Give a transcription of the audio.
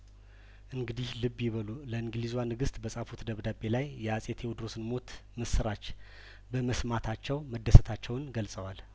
እንግዲህ ልብ ይበሉ ለእንግሊዟ ንግስት በጻፉት ደብዳቤ ላይ የአጼ ቴዎድሮስን ሞትምስራች በመስማታቸው መደሰታቸውን ገልጸዋል